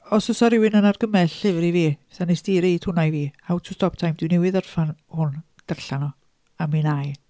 Os oes 'na rywun yn argymell llyfr i fi, fatha wnest ti roi hwnna i fi. How to stop time. Dwi newydd orffen hwn. Darllen o a mi wna i.